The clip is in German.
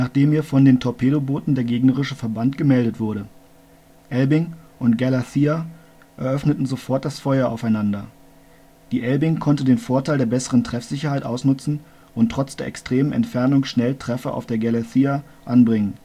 ihr von den Torpedobooten der gegnerische Verband gemeldet wurde. Elbing und Galathea eröffneten sofort das Feuer aufeinander. Die Elbing konnte den Vorteil der besseren Treffsicherheit ausnutzen und trotz der extremen Entfernung schnell Treffer auf der Galathea anbringen